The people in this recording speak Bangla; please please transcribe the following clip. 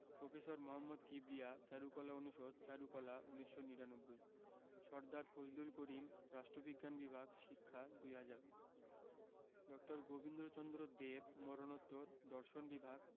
প্রফেসর মোহাম্মদ কিবরিয়া চারুকলা অনুষদ চারুকলা ১৯৯৯ সরদার ফজলুল করিম রাষ্ট্রবিজ্ঞান বিভাগ শিক্ষা ২০০০ ড. গোবিন্দচন্দ্র দেব মরনোত্তর দর্শন বিভাগ